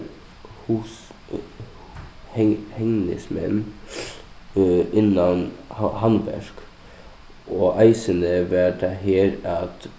hegnismenn innan handverk og eisini var tað her at